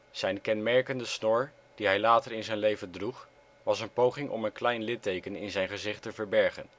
Zijn kenmerkende snor die hij later in zijn leven droeg was een poging om een klein litteken in zijn gezicht te verbergen